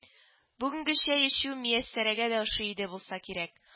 Бүгенге чәй эчү Мияссәрәгә дә ошый иде булса кирәк